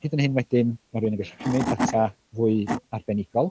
Hyd yn hyn wedyn ma' rywun yn gallu cymryd data fwy arbenigol.